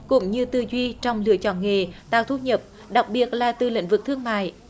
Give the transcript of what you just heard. cũng như tư duy trong lựa chọn nghề tao thu nhập đặc biệt là từ lĩnh vực thương mại